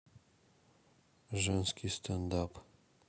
женский стенд ап